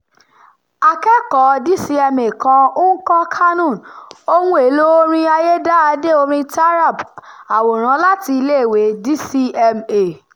Akẹ́kọ̀ọ́ DCMA kan ń kọ́ qanun, ohun èlò orin ayédáadé orin taarab. Àwòrán láti iléèwé DCMA.